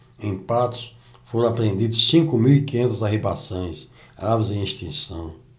em patos foram apreendidas cinco mil e quinhentas arribaçãs aves em extinção